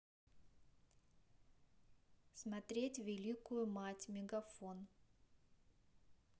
смотреть великую мать мегафон